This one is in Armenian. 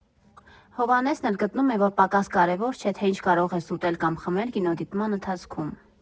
Հովհաննեսն էլ գտնում է, որ պակաս կարևոր չէ, թե ինչ կարող ես ուտել կամ խմել կինոդիտման ընթացքում։